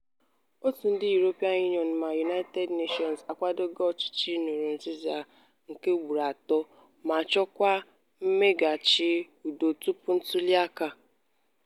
Òtù ndị European Union na United Nations akwadoghị ọchịchị Nkurunziza nke ugboro atọ, ma chọkwa mweghachi udo tupu ntuliaka.